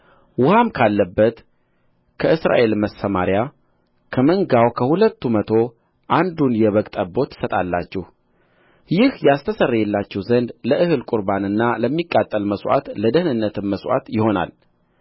ውኃም ካለበት ከእስራኤል ማሰማርያ ከመንጋው ከሁለቱ መቶ አንዱን የበግ ጠቦት ትሰጣላችሁ ይህ ያስተሰርይላችሁ ዘንድ ለእህል ቍርባንና ለሚቃጠል መሥዋዕት ለደኅንነትም መሥዋዕት ይሆናል